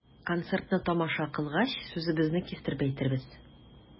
Концертны тамаша кылгач, сүзебезне кистереп әйтербез.